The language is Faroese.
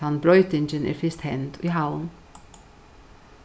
tann broytingin er fyrst hend í havn